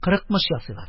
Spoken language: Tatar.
"кырыкмыш" ясыйлар.